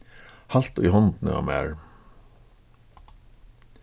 halt í hondini á mær